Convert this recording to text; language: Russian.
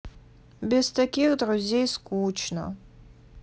без таких друзей скучно